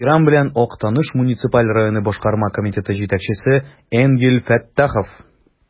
Ихтирам белән, Актаныш муниципаль районы Башкарма комитеты җитәкчесе Энгель Фәттахов.